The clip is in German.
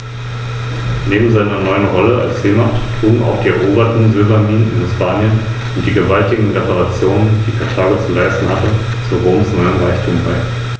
Die Flügelspannweite variiert zwischen 190 und 210 cm beim Männchen und zwischen 200 und 230 cm beim Weibchen.